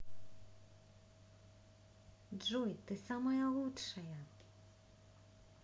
джой ты самая лучшая